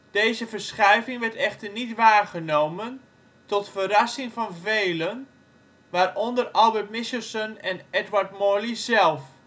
Deze verschuiving werd echter niet waargenomen, tot verrassing van velen, waaronder Albert Michelson en Edward Morley zelf